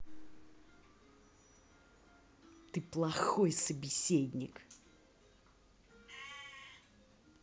ты плохой собеседник